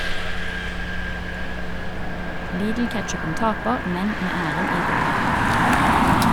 Lidl-ketchupen taper, men med æren i behold.